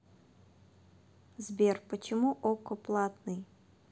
сбер почему okko платный